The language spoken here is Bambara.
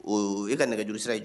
Ɔ e ka nɛgɛ juruuru sira